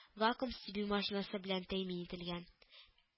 Вакуум-себерү машинасы белән тәэмин ителгән